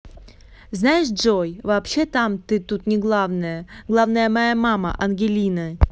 знаешь джой вообще там ты тут не главное главное моя мама ангелина